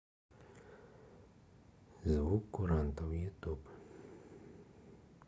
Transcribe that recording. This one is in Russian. звук курантов ютуб